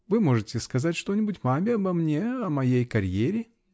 Вы можете сказать что-нибудь маме обо мне, о моей карьере.